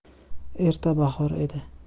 erta bahor edi